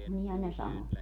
niinhän ne sanoi